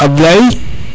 Ablaye